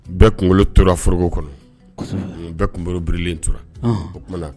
Bɛɛ kunkolo tora forogo kɔnɔ bɛɛ kunkolobirilen tora.